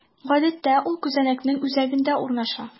Гадәттә, ул күзәнәкнең үзәгендә урнаша.